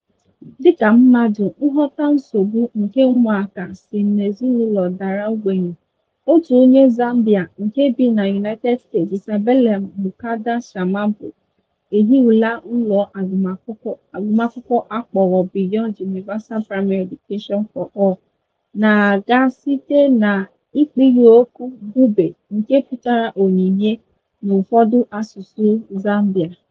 Dịka mmadụ, nghọta nsogbu nke ụmụaka sị n'ezinaụlọ dara ogbenye, otu onye Zambia nke bị na United States, Isabella Mukanda Shamambo, e hiwela ụlọ agụmakwụkwọ a kpọrọ Beyond Universal Primary Education for All na-aga site na mkpịrịokwu, BUPE (nke pụtara "onyinye” n'ụfọdụ asụsụ Zambia).